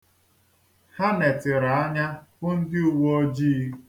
Ha netịrị anya hụ ndị uweojii.